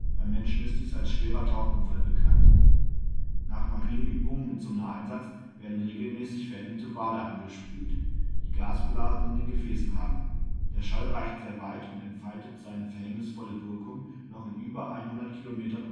Menschen als " schwerer Tauchunfall " bekannt). Nach Marineübungen mit Sonareinsatz werden regelmäßig verendete Wale angespült, die Gasblasen in den Gefäßen haben. Der Schall reicht sehr weit und entfaltet seine verhängnisvolle Wirkung noch in über hundert Kilometern Umkreis